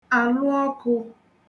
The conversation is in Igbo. àlụọkụ̄